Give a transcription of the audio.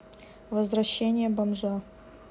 возвращение бомжа